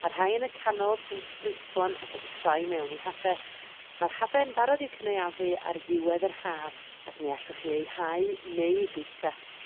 a rhai yn y canol sy'n ffrwythlon ac yn troi mewn i hade ma'r hade yn barod i'w cynaeafu ar ddiwedd yr haf ac mi allwch chi eu hau neu 'u bwyta.